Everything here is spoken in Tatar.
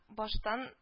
Башкатан